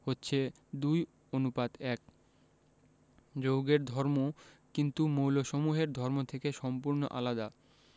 হচ্ছে ২ অনুপাত ১যৌগের ধর্ম কিন্তু মৌলসমূহের ধর্ম থেকে সম্পূর্ণ আলাদা